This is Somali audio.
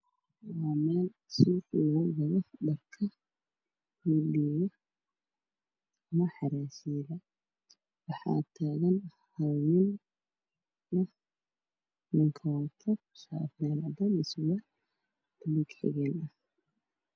Waa meel suuq ah oo lugu gado dharka xaraashayda ah waxaa taagan hal nin waxuu wataa shaati cadaan ah iyo surwaal buluug xegeen ah.